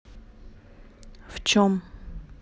в чем